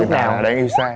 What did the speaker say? lúc nào cũng yêu xa